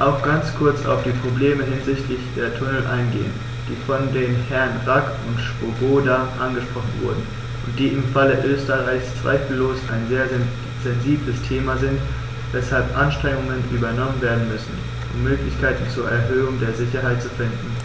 auch ganz kurz auf die Probleme hinsichtlich der Tunnel eingehen, die von den Herren Rack und Swoboda angesprochen wurden und die im Falle Österreichs zweifellos ein sehr sensibles Thema sind, weshalb Anstrengungen unternommen werden müssen, um Möglichkeiten zur Erhöhung der Sicherheit zu finden.